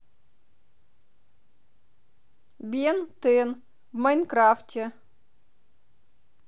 бен тен в майнкрафте